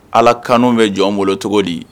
Ala kan bɛ jɔn bolo cogo di